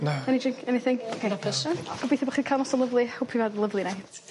Na. Any drink anything? Dwi'n apus rŵan. Gobeithio bo' chi ca'l noson lyfli hope you have a lovely night.